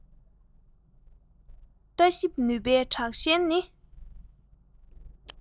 ལྟ ཞིབ ནུས པའི དྲག ཞན ནི